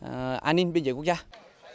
an ninh biên giới quốc gia